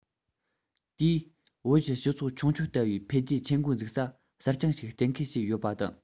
དེས བོད ཀྱི སྤྱི ཚོགས མཆོང སྐྱོད ལྟ བུའི འཕེལ རྒྱས ཆེད འགོ འཛུགས ས གསར རྐྱང ཞིག གཏན འཁེལ བྱས ཡོད པ དང